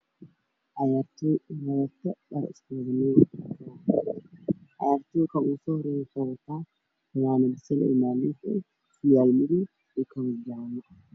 Ciyaartoy ciyaarto banooni kan ugu horeeyo wuxuu dharjallo ah iyo buumo gududa